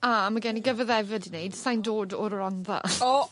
a ma' gen i gyfaddefyd i neud sai'n dod o'r Rondda. O!